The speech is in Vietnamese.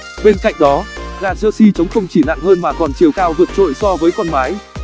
bên cạnh đó gà jersey trống không chỉ nặng hơn mà còn chiều cao vượt trội so với con mái